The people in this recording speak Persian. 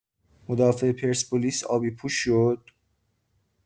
مدافع پرسپولیس آبی پوش شد؟